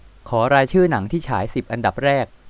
ขอรายชื่อหนังที่ฉายสิบอันดับแรก